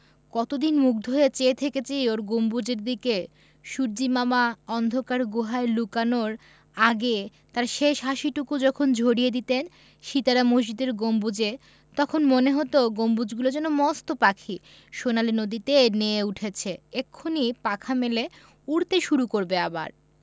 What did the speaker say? কতদিন মুগ্ধ হয়ে চেয়ে থেকেছি ওর গম্বুজের দিকে সূর্য্যিমামা অন্ধকার গুহায় লুকানোর আগে তাঁর শেষ হাসিটুকু যখন ঝরিয়ে দিতেন সিতারা মসজিদের গম্বুজে তখন মনে হতো গম্বুজগুলো যেন মস্ত পাখি সোনালি নদীতে নেয়ে উঠেছে এক্ষুনি পাখা মেলে উড়তে শুরু করবে আবার